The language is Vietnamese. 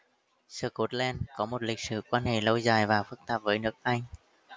scotland có một lịch sử quan hệ lâu dài và phức tạp với nước anh